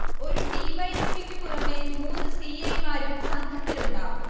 ഒരു D. Y. S. P. ക്കു പുറമെ മൂന്ന് സി. ഐ. മാരും സംഘത്തിലുണ്ടാവും